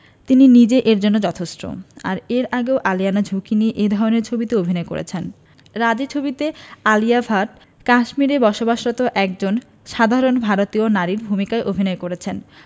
তিনি নিজেই এর জন্য যথেষ্ট এর আগেও আলিয়া ঝুঁকি নিয়ে এ ধরনের ছবিতে অভিনয় করেছেন রাজী ছবিতে আলিয়া ভাট কাশ্মীরে বসবাসরত একজন সাধারন ভারতীয় নারীর ভূমিকায় অভিনয় করেছেন